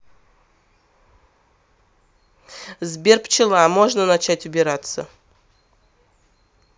сбер пчела можно начать убираться